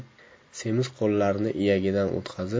semiz qo'llarini iyagidan o'tkazib